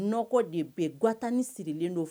Nɔgɔ de bɛ gatani siirilen don